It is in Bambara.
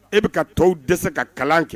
E bɛ ka tɔw dɛsɛ ka kalan kɛ.